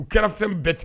U kɛra fɛn bɛɛ t